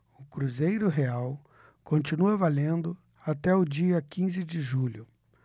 o cruzeiro real continua valendo até o dia quinze de julho